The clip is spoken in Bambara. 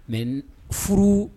Mais n furu